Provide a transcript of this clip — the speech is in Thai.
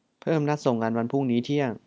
เพิ่มนัดส่งงานวันพรุ่งนี้เที่ยง